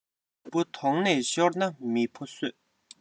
བདུད པོ དོང ནས ཤོར ན མི ཕོ གསོད